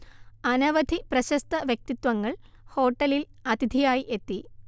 അനവധി പ്രശസ്ത വ്യക്തിത്വങ്ങൾ ഹോട്ടലിൽ അതിഥിയായി എത്തി